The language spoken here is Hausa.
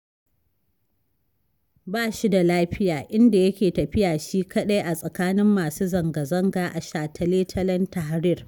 Ba shi da lafiya, inda yake tafiya shi kaɗai a tsakanin masu zangazanga a shataletalen Tahrir.